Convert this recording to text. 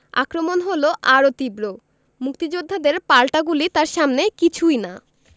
আক্রমণ হলো আরও তীব্র মুক্তিযোদ্ধাদের পাল্টা গুলি তার সামনে কিছুই না